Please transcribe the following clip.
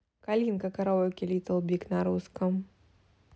калинка караоке литл биг на русском